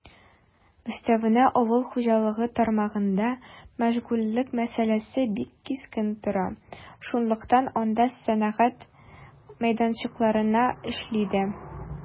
Өстәвенә, авыл хуҗалыгы тармагында мәшгульлек мәсьәләсе бик кискен тора, шунлыктан анда сәнәгать мәйданчыклары эшли дә.